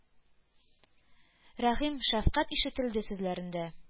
Рәхим, шәфкать ишетелде сүзләрендә.